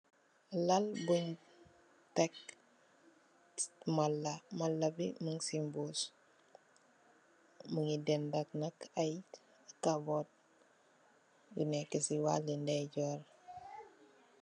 Lal bungh tek matla, matla bii mung cii mbuss, mungy ndendak nak aiiy cupboard yu nekue cii waali ndeyjorr.